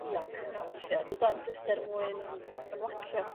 dianc 'na weithia' dydan jyst er mwyn ymlacio.